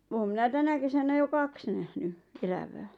olen minä tänä kesänä jo kaksi nähnyt elävää